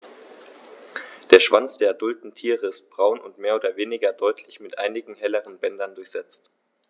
Der Schwanz der adulten Tiere ist braun und mehr oder weniger deutlich mit einigen helleren Bändern durchsetzt.